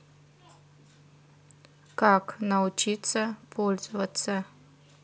как научиться пользоваться